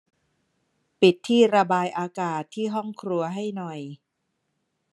ปิดที่ระบายอากาศที่ห้องครัวให้หน่อย